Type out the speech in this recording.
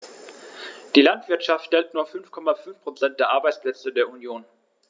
Die Landwirtschaft stellt nur 5,5 % der Arbeitsplätze der Union.